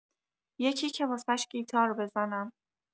یکی که واسش گیتار بزنم